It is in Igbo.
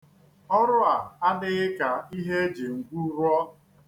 Ọrụ a adịghị ka ihe e ji ngwu rụọ.